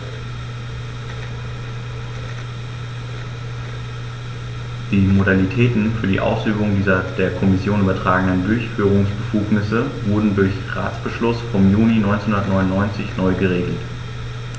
Die Modalitäten für die Ausübung dieser der Kommission übertragenen Durchführungsbefugnisse wurden durch Ratsbeschluss vom Juni 1999 neu geregelt.